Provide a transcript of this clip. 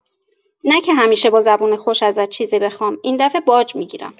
نه که همیشه با زبون خوش ازت چیزی بخوام، این دفعه باج می‌گیرم!